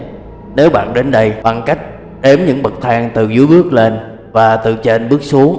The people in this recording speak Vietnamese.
internet nếu bạn đến đây bằng cách đếm những bậc thang từ dưới lên và từ trên bước xuống